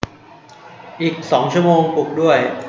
อีกสองชั่วโมงปลุกด้วย